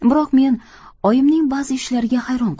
biroq men oyimning ba'zi ishlariga hayron